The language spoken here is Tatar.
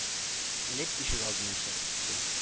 Элеп ишегалдына чыгып китте